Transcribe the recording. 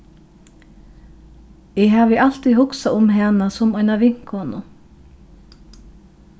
eg havi altíð hugsað um hana sum eina vinkonu